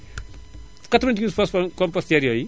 88 fausses compostières yooyu